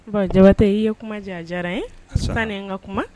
Ɔ jabatɛ i ye kuma jan diyara ye tan ni n ka kuma